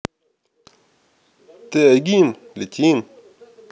tgym летим